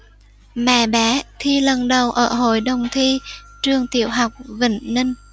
mẹ bé thi lần đầu ở hội đồng thi trường tiểu học vĩnh ninh